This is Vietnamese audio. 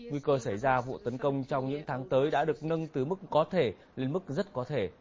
nguy cơ xảy ra vụ tấn công trong những tháng tới đã được nâng từ mức có thể lên mức rất có thể